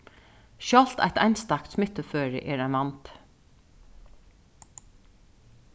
sjálvt eitt einstakt smittuføri er ein vandi